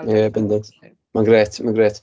Ia bendant, mae'n grêt, mae e'n grêt.